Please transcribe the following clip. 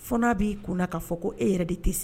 N b'i kun k'a fɔ ko e yɛrɛ de tɛ se